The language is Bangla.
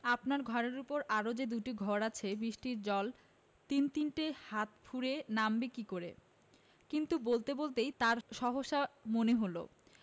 আপনার ঘরের উপর আরও যে দুটো ঘর আছে বৃষ্টির জল তিন তিনটে হাত ফুঁড়ে নামবে কি করে কিন্তু বলতে বলতেই তাঁর সহসা মনে হলো